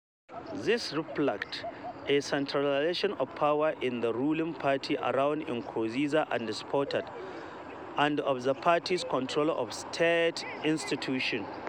This reflects a centralization of power in the ruling party around Nkurunziza and supporters, and of the party’s control of state institutions.